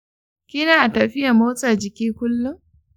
kina tafiyan mosti jiki kullun?